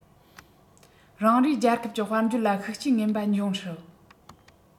རང རེའི རྒྱལ ཁབ ཀྱི དཔལ འབྱོར ལ ཤུགས རྐྱེན ངན པ འབྱུང སྲིད